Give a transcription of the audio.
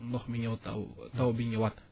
ndox mi ñëw taw taw bi ñëwaat